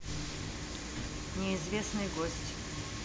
неизвестный гость